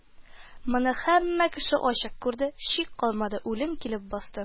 Моны һәммә кеше ачык күрде, шик калмады, үлем килеп басты